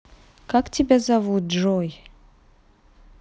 как тебя зовут джой